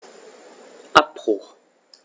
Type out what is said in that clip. Abbruch.